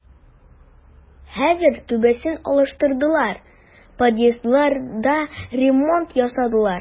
Хәзер түбәсен алыштырдылар, подъездларда ремонт ясадылар.